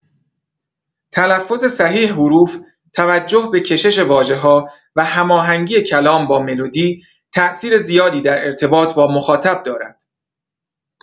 تلفظ صحیح حروف، توجه به کشش واژه‌ها و هماهنگی کلام با ملودی، تاثیر زیادی در ارتباط با مخاطب دارد.